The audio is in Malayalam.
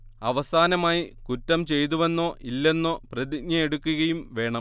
അവസാനമായി കുറ്റം ചെയ്തുവെന്നോ ഇല്ലെന്നോ പ്രതിജ്ഞയെടുക്കുകയും വേണം